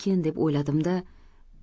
deb o'yladim da